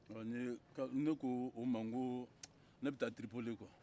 ne k'o ma ko ne bɛ taa tiripoli kuwa